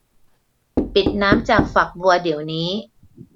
ปิดน้ำจากฝักบัวเดี๋ยวนี้